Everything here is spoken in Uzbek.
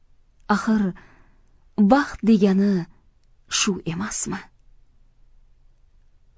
axir baxt degani shu emasmi